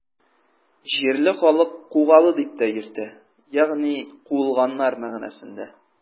Җирле халык Кугалы дип тә йөртә, ягъни “куылганнар” мәгънәсендә.